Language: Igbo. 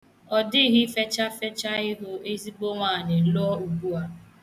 Ọ dịghị ya fechafecha ịhụ ezịgbọ nwaanyị lụọ ugbua.